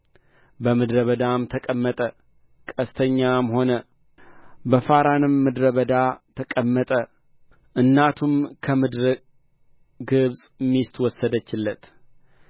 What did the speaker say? በምድረ በዳም ተቀመጠ ቀስተኛም ሆነ በፋራን ምድረ በዳም ተቀመጠ እናቱም ከምድረ ግብፅ ሚስት ወሰደችለት